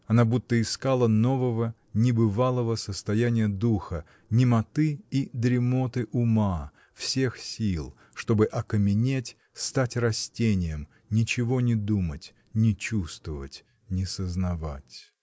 Она будто искала нового, небывалого состояния духа, немоты и дремоты ума, всех сил, чтобы окаменеть, стать растением, ничего не думать, не чувствовать, не сознавать.